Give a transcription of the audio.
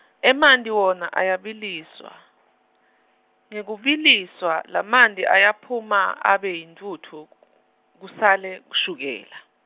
emanti wona ayabiliswa, Ngekubiliswa lamanti ayaphuma abe yintfutfu k-, kusale shukela.